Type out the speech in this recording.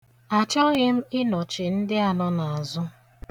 Achọghị ịnọchi ndi a nọ n'azụ.